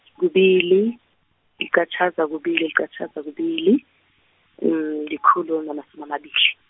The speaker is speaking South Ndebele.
kubili, licatjhaza kubili licatjhaza kubili, likhulu, namasumi amabili.